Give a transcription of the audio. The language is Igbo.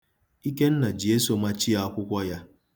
Ikenna ji eso machie akwụkwọ ya.